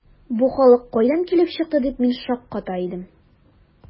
“бу халык кайдан килеп чыкты”, дип мин шакката идем.